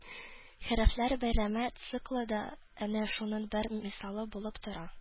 «хәрефләр бәйрәме» циклы да әнә шуның бер мисалы булып тора